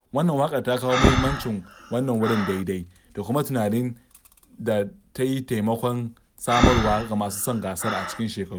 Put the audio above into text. Wannan waƙar ta kawo muhimmancin wannan wurin daidai, da kuma tunanin da ta yi taimakon samarwa ga masu son gasar a cikin shekaru.